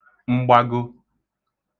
mgbago